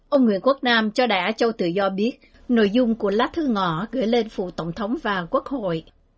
ông nguyễn quốc nam cho đài á châu tự do biết nội dung của lá thư ngỏ gửi lên phủ tổng thống và quốc hội